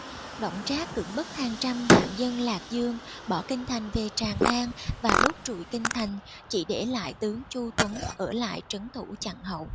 đổng trác cưỡng bức hàng trăm vạn dân lạc dương bỏ kinh thành về tràng an và đốt trụi kinh thành chỉ để lại tướng chu tuấn ở lại trấn thủ chặn hậu